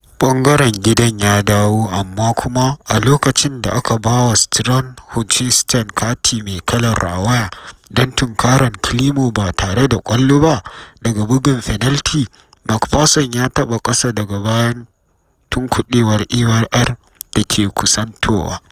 Ɓangaren gidan ya dawo, amma, kuma a lokacin da aka bawa Struan Hutchinson kati me kalar rawaya don tunkarar Climo ba tare da ƙwallo ba, daga bugun fenalti, MacPherson ya taɓa ƙasa daga bayan tunkuɗewar Ayr da ke kusantowa.